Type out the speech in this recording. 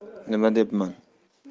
nima debman